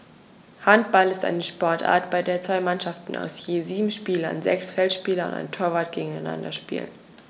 Handball ist eine Sportart, bei der zwei Mannschaften aus je sieben Spielern (sechs Feldspieler und ein Torwart) gegeneinander spielen.